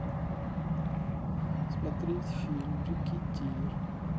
смотреть фильм рекетир